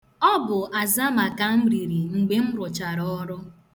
Ọ bụ azama ka m riri mgbe m rụchara ọrụ.